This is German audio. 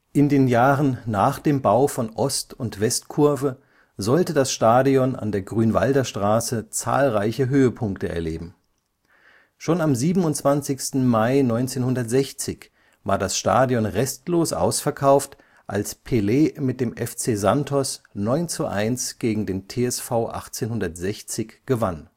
In den Jahren nach dem Bau von Ost - und Westkurve sollte das Stadion an der Grünwalder Straße zahlreiche Höhepunkte erleben. Schon am 27. Mai 1960 war das Stadion restlos ausverkauft, als Pelé mit dem FC Santos 9:1 gegen den TSV 1860 gewann